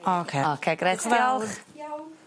Oce. Oce grêt . Diolch. Iawn.